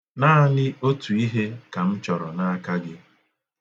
Naanị otu ihe ka m chọrọ n'aka gị.